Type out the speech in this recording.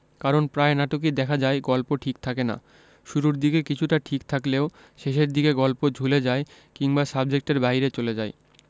কারণ প্রায় নাটকেই দেখা যায় গল্প ঠিক থাকে না শুরুর দিকে কিছুটা ঠিক থাকলেও শেষের দিকে গল্প ঝুলে যায় কিংবা সাবজেক্টের বাইরে চলে যায়